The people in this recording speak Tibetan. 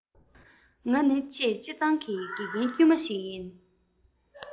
ང ནི ཆེས སྤྱིར བཏང གི དགེ རྒན དཀྱུས མ ཞིག ཡིན